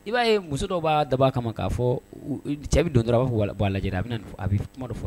I b'a ye muso dɔw b'a dab'a kama k'a fɔ cɛ bɛ don dɔrɔn b'a fɔ bon voila a lajɛ de a bɛ na ni fɔ